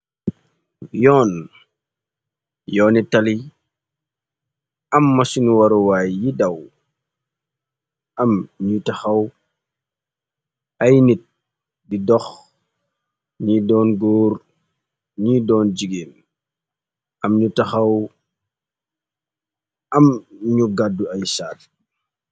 Yoon, yooni tali am masinu waruwaay yi daw. Am ñuy taxaw ay nit di dox ni doon góor ñi doon jigéen am ñu gàddu ay saat.